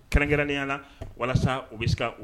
Kɛrɛnkɛrɛnnenya la walasa u bɛ se